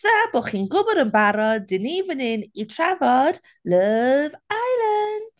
Sa bo' chi'n gwybod yn barod, dan ni fan hyn i trafod Love Island.